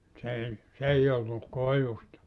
se ei se ei ollut koivusta